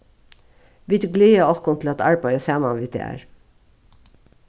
vit gleða okkum til at arbeiða saman við tær